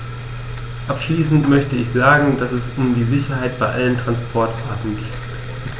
Abschließend möchte ich sagen, dass es um die Sicherheit bei allen Transportarten geht.